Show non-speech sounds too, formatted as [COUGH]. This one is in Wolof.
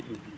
[HESITATION] [HESITATION]